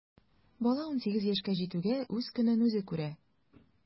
Бала унсигез яшькә җитүгә үз көнен үзе күрә.